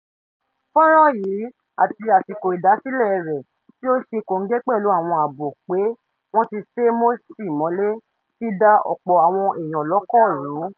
Fọ́nràn yìí, àti àsìkò ìdásílẹ̀ rẹ̀ tí ó ṣe kòǹgẹ́ pẹ̀lú àwọn àbọ̀ pé wọ́n ti sé Morsi mọ́lé, ti da ọ̀pọ̀ àwọn èèyàn lọ́kàn rú.